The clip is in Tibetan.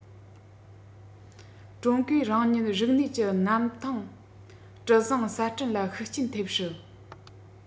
ཀྲུང གོས རང ཉིད རིག གནས ཀྱི གནམ ཐང གྲུ གཟིངས གསར སྐྲུན ལ ཤུགས རྐྱེན ཐེབས སྲིད